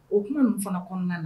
O kuma ninnu fana kɔnɔna na